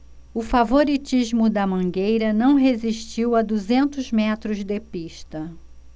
o favoritismo da mangueira não resistiu a duzentos metros de pista